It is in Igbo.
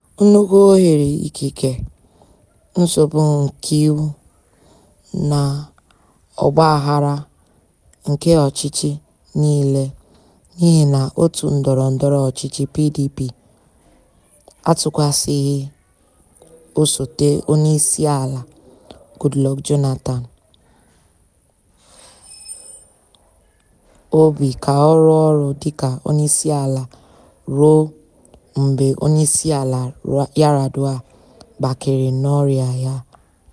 Nnukwu oghere ikike, nsogbu nke iwu, na ọgbaghara nke ọchịchị niile n'ihi na òtù ndọrọndọrọ ọchịchị (PDP) atụkwasịghị osote onyeisiala (Goodluck Jonathan) obi ka ọ rụọ ọrụ dịka onyeisiala ruo mgbe Onyeisiala Yar'Adua gbakere n'ọrịa ya.